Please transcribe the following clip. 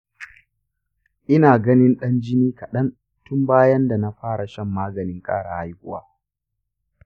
ina ganin ɗan jini kaɗan tun bayan da na fara shan maganin ƙara haihuwa.